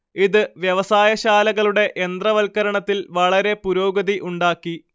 ഇത് വ്യവസായശാലകളുടെ യന്ത്രവൽക്കരണത്തിൽ വളരെ പുരോഗതി ഉണ്ടാക്കി